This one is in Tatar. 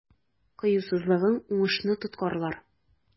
Кыюсызлыгың уңышны тоткарлар.